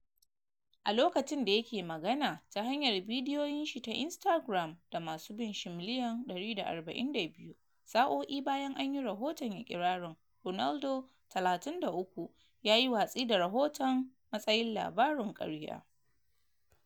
abun da suka ce yau, labarin karya ne,” maciyin Ballon d’Or biyar din yace a cikin kamarar.